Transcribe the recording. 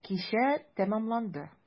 Кичә тәмамланды.